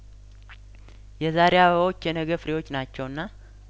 የዛሬ አበባዎች የነገ ፍሬዎች ናቸውና